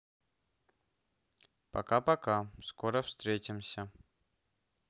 пока пока скоро встретимся